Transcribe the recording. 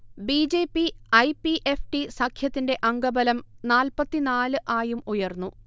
B. J. P. - I. P. F T. സഖ്യത്തിന്റെ അംഗബലം നാല്പത്തി നാല് ആയും ഉയർന്നു